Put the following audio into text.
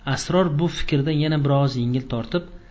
sror bu fikrdan yana bir oz yengil tortib